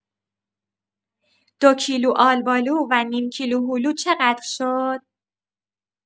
دو کیلو آلبالو و نیم کیلو هلو چقدر شد؟